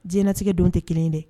Diɲɛtigɛ don tɛ kelen de